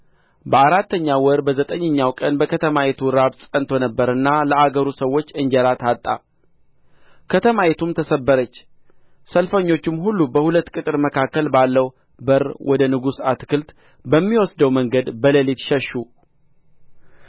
በአራተኛውም ወር በዘጠኝኛው ቀን በከተማይቱ ራብ ጸንቶ ነበርና ለአገሩ ሰዎች እንጀራ ታጣ ከተማይቱም ተሰበረች ሰልፈኞችም ሁሉ በሁለት ቅጥር መካከል ባለው በር ወደ ንጉሡ አትክልት በሚወስደው መንገድ በሌሊት ሸሹ